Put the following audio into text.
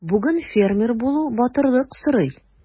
Бүген фермер булу батырлык сорый.